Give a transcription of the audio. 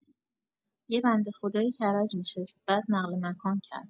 یه بنده خدایی کرج می‌شست بعد نقل‌مکان کرد.